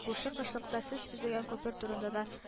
Үрше кышлакта сез төзегән күпер турында да